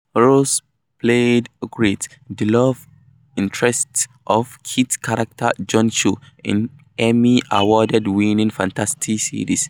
Rose played Ygritte, the love interest of Kit's character Jon Snow, in the Emmy award-winning fantasy series.